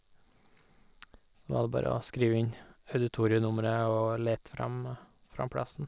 Så var det bare å skrive inn auditorienummeret og lete fram fram plassen.